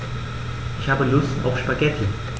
Ich habe Lust auf Spaghetti.